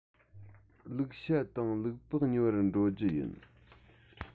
ལུག ཤ དང ལུག ལྤགས ཉོ བར འགྲོ རྒྱུ ཡིན